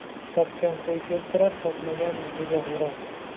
topgan qo'y keltirar topmagan jo'jaxo'roz